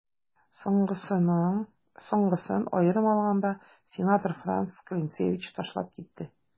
Соңгысын, аерым алганда, сенатор Франц Клинцевич ташлап китте.